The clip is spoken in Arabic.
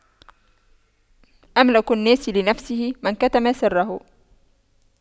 أملك الناس لنفسه من كتم سره